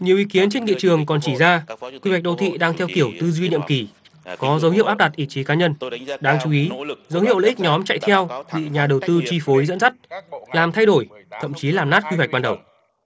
nhiều ý kiến trên nghị trường còn chỉ ra quy hoạch đô thị đang theo kiểu tư duy nhiệm kỳ có dấu hiệu áp đặt ý chí cá nhân đáng chú ý dấu hiệu lợi ích nhóm chạy theo thị nhà đầu tư chi phối dẫn dắt làm thay đổi thậm chí làm nát quy hoạch ban đầu